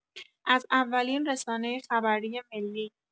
از اولین رسانه خبری ملی